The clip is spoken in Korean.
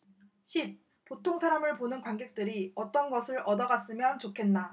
십 보통사람을 보는 관객들이 어떤 것을 얻어갔으면 좋겠나